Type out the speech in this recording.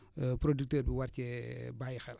producteur bi war cee bàyyi xel